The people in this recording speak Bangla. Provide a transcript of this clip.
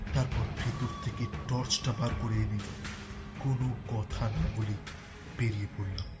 তারপর ভেতর থেকে টর্চটা বার করে এনে কোন কথা না বলে বেরিয়ে পড়লাম